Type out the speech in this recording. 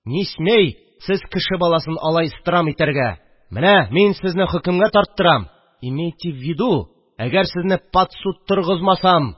– не смей сез кеше баласын алай страм итәргә! менә мин сезне хөкемгә тарттырам! имейтевиду, әгәр сезне падсуд торгызмасам!